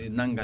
ɗi naggat